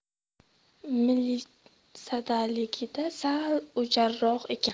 milisadaligida sal o'jarroq ekan